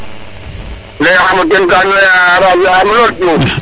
leya xama ka ando naye a arrange axam lol Diouf